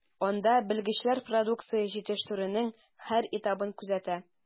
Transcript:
Анда белгечләр продукция җитештерүнең һәр этабын күзәтә.